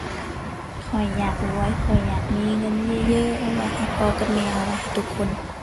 ข้อยอยากรวย ข้อยอยากมีเงินเยอะเยอะ เอาไว้ให้พ่อกับแม่ เอาไว้ให้ทุกคน